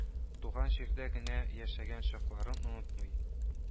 Туган җирдә генә яшәгән чакларын онытмый